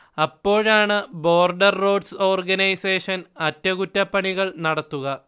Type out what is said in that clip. അപ്പോഴാണ് Border Roads Organisation അറ്റകുറ്റപ്പണികൾ നടത്തുക